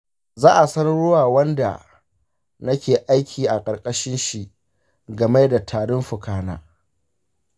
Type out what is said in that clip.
za'a sanarwa wnda nake aiki a karkashin shi game da tarin fuka na?